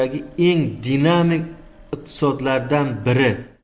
eng dinamik iqtisodlardan biri